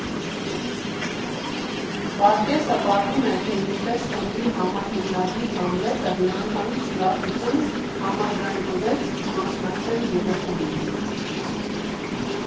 Վարդգեսը պատմում է, թե ինչպես խմբի համահիմնադիր Համլետը միանգամից ուրախությամբ համաձայնվեց մասնակցել երեկոյին.